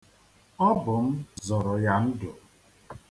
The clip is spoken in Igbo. Ọ bụ m zọrọ ya ndụ.